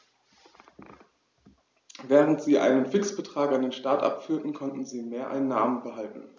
Während sie einen Fixbetrag an den Staat abführten, konnten sie Mehreinnahmen behalten.